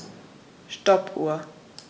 Stoppuhr.